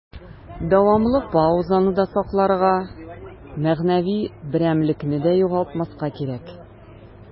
Дәвамлы паузаны да сакларга, мәгънәви берәмлекне дә югалтмаска кирәк.